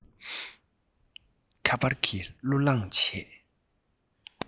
ཁ པར གྱིས གླུ བླངས བྱུང